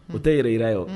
O tɛ yɛrɛ ira yan